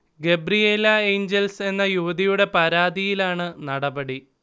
Gabriela Angels എന്ന യുവതിയുടെ പരാതിയിലാണ് നടപടി